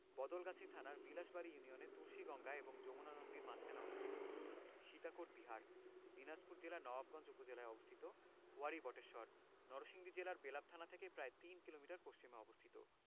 বদলগাছি থানার বিলাসবাড়ি ইউনিয়নে তুলসীগঙ্গা এবং যমুনা নদীর মাঝখানে অবস্থিত সীতাকোট বিহার দিনাজপুর জেলার নওয়াবগঞ্জ উপজেলায় অবস্থিত ওয়ারী বটেশ্বর নরসিংদী জেলার বেলাব থানা থেকে প্রায় তিন কিলোমিটার পশ্চিমে অবস্থিত